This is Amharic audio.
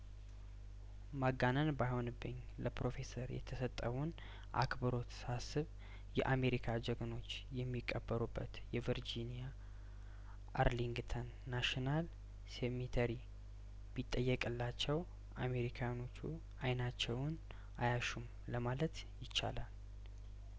ማጋነን ባይሆንብኝ ለፕሮፌሰር የተሰጠውን አክብሮት ሳስብ የአሜሪካ ጀግኖች የሚቀብሩበት የቨርጂኒያው አርሊንግተን ናሽናል ሴሜ ተሪ ቢጠየቅላቸው አሜሪካኖቹ አይናቸውን አያሹም ለማለት ይቻላል